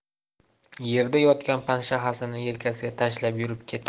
yerda yotgan panshaxasini yelkasiga tashlab yurib ketdi